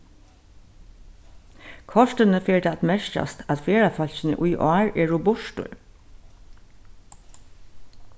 kortini fer tað at merkjast at ferðafólkini í ár eru burtur